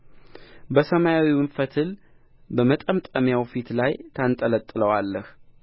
በሰማያዊም ፈትል በመጠምጠሚያው ፊት ላይ ታንጠለጥለዋለህ